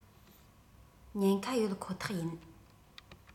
ཉན ཁ ཡོད ཁོ ཐག ཡིན